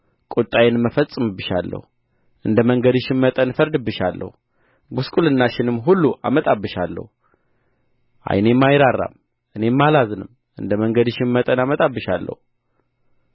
ቍጣዬንም እፈጽምብሻለሁ እንደ መንገድሽም መጠን እፈርድብሻለሁ ጕስቍልናሽንም ሁሉ አመጣብሻለሁ ዓይኔም አይራራም እኔም አላዝንም እንደ መንገድሽም መጠን አመጣብሻለሁ